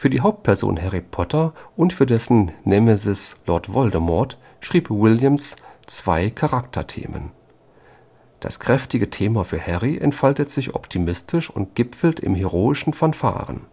die Hauptperson Harry Potter und für dessen Nemesis Lord Voldemort schrieb Williams zwei Charakterthemen. Das kräftige Thema für Harry entfaltet sich optimistisch und gipfelt in heroischen Fanfaren